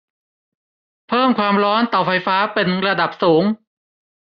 เพิ่มความร้อนเตาไฟฟ้าเป็นระดับสูง